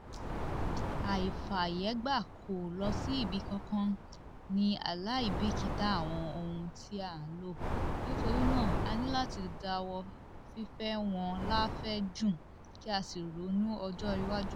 "Àìfàyègbà kò lọ sí ibì kankan, ní aláìbìkítà àwọn ohun tí a lo, nítorí náà a ní láti dáwọ́ fífẹ́ wọn láfẹ̀ẹ́ jù kí á sí ronú ọjọ́ iwájú".